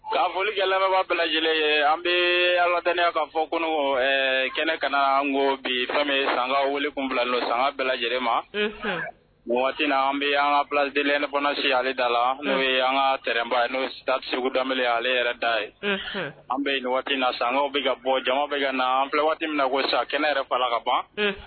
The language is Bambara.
Nka boli gaɛlɛba bɛɛ lajɛlen ye an bɛ alat ka fɔ kɔnɔ kɛnɛ ka na an bi fɛn san wele kun bila don sanga bɛɛ lajɛlen ma waati na an bɛ anla lajɛlen ne fana se ale da la n'o ye an ka trɛnba ye n'o taa segu da ale yɛrɛ da ye an bɛ waati na san' bɛ ka bɔ jama bɛ na an waati min na ko sa kɛnɛ yɛrɛ fa la ka ban